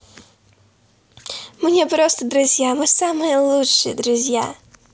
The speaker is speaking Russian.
мне просто друзья мы самые лучшие друзья